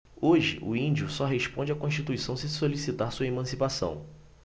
hoje o índio só responde à constituição se solicitar sua emancipação